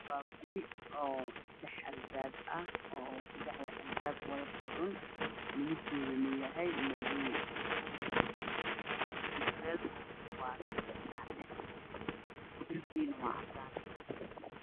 Waa guri oo seddex albaab leh seddexda albaabna wada furan kalarkoodu waa madow ah, mutuleelka waa cadeys, darbiguna Waa cadaan.